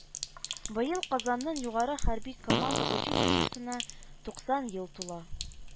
Быел Казанның югары хәрби команда училищесына туксан ел тула